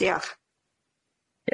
Diolch.